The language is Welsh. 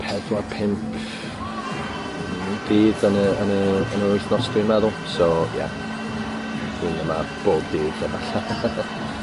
pedwar pump dydd yn y yn y yn yr wythnos dwi meddwl. So ie, dwi'n yma bob dydd efalle.